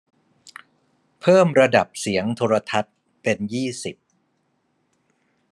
เพิ่มระดับเสียงโทรทัศน์เป็นยี่สิบ